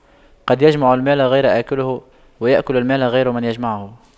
قد يجمع المال غير آكله ويأكل المال غير من جمعه